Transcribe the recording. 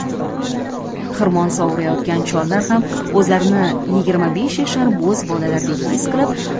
xirmon sovurayotgan chollar ham o'zlarini yigirma besh yashar bo'z bolalardek xis qilib